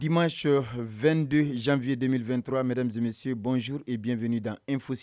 Dima sɔ2den jan2yeden02tturame0misi bɔnjuruur g bin2 dan n fɔsi